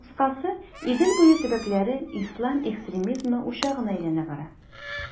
Кыскасы, Идел буе төбәкләре ислам экстремизмы учагына әйләнә бара.